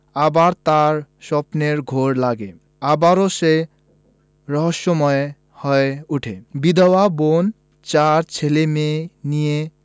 আবার তার স্বপ্নের ঘোর লাগে আবার সে রহস্যময় হয়ে উঠে বিধবা বোন চার ছেলেমেয়ে নিয়ে